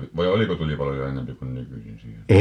Vai oliko tulipaloja enempi kuin nykyisin siihen aikaan